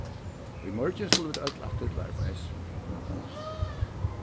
í morgin skulu vit øll aftur til arbeiðis